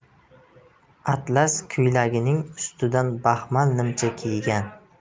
atlas ko'ylagining ustidan baxmal nimcha kiygan